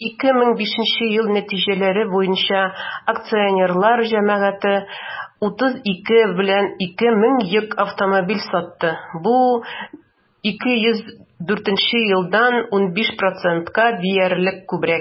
2005 ел нәтиҗәләре буенча акционерлар җәмгыяте 32,2 мең йөк автомобиле сатты, бу 2004 елдагыдан 15 %-ка диярлек күбрәк.